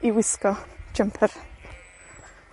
i wisgo jympyr.